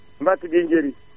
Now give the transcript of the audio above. Mbacke Gueye Njeri